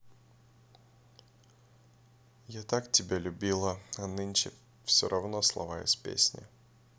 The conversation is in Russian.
я так тебя любила а нынче все равно слова из песни